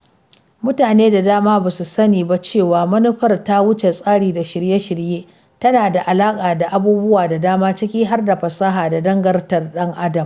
Mutane da dama ba su sani ba cewa manufar ta wuce tsari da shirye-shiriye — tana da alaƙa da abubuwa da dama, ciki har da fasaha da dangantakar ɗan Adam.